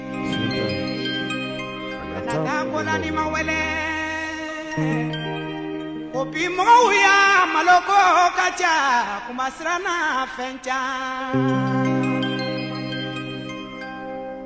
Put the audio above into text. kana taa ko la n'i ma wele, ko bimɔɔw yo maloko ka ca Kunba siranna fɛn caman ɲɛ